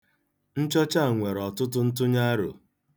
Nchọcha a nwere ọtụtụ ntụnye aro.